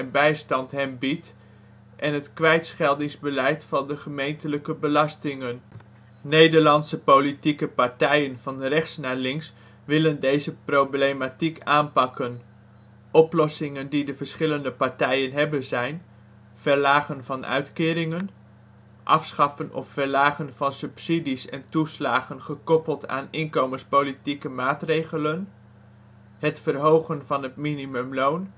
bijstand hen biedt en het kwijtscheldingsbeleid van gemeentelijke belastingen. Nederlandse politieke partijen van rechts naar links willen deze problematiek aanpakken. Oplossingen die de verschillende partijen hebben zijn: Verlagen van uitkeringen Afschaffen of verlagen van subsidies en toeslagen gekoppeld aan inkomenspolitieke maatregelen Het verhogen van het minimumloon